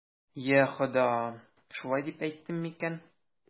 Йа Хода, шулай дип әйттем микән?